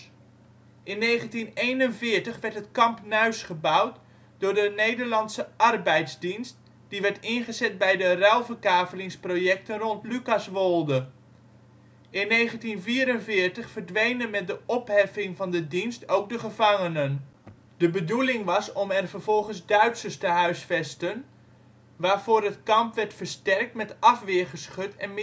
In 1941 werd het Kamp Nuis gebouwd voor de Nederlandse Arbeidsdienst die werden ingezet bij de ruilverkavelingsprojecten rond Lucaswolde. In 1944 verdwenen met de opheffing van de dienst ook de gevangenen. De bedoeling was om er vervolgens Duitsers te huisvesten, waarvoor het kamp werd versterkt met afweergeschut en